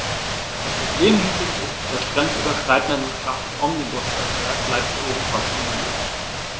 Das Problem hinsichtlich des grenzüberschreitenden Kraftomnibusverkehrs bleibt ebenfalls ungelöst.